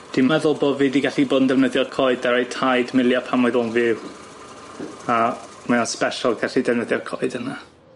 Dwi'n meddwl bo' fi 'di gallu bod yn defnyddio'r coed daru taid milio pan oedd o'n fyw, a mae o'n sbesial gallu defnyddio'r coed yna.